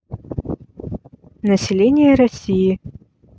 население россии